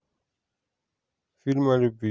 фильмы о любви